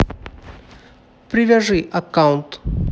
привяжи аккаунт